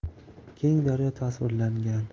keng daryo tasvirlangan